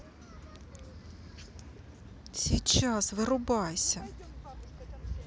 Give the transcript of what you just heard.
сейчас вырубайся